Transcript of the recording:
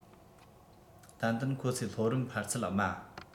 ཏན ཏན ཁོ ཚོས སློབ རིམ འཕར ཚད དམའ